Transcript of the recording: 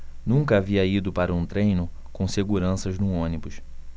nunca havia ido para um treino com seguranças no ônibus